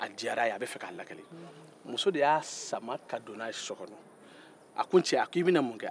a diyara a ye a b'a fɛ k'a lakale muso de y'a sama ka don n'a ye so kɔnɔ a ko i bɛna mun kɛ n cɛ